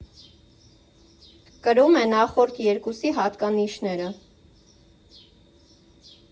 Կրում է նախորդ երկուսի հատկանիշները։